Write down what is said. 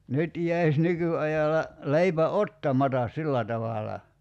nyt jäisi nykyajalla leipä ottamatta sillä tavalla